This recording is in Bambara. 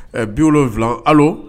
ɛɛ 70, allo